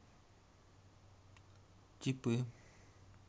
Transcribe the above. типы